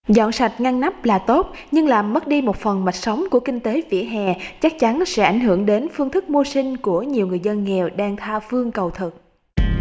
dọn sạch ngăn nắp là tốt nhưng làm mất đi một phần mạch sống của kinh tế vỉa hè chắc chắn sẽ ảnh hưởng đến phương thức mưu sinh của nhiều người dân nghèo đang tha phương cầu thực